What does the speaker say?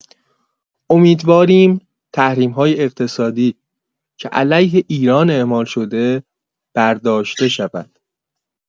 امیدواریم تحریم‌های اقتصادی که علیه ایران اعمال شده برداشته شود.